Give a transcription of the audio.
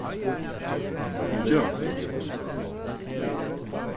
nú gevast vit